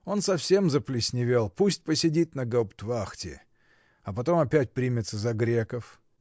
Он совсем заплесневел: пусть посидит на гауптвахте, а потом опять примется за греков.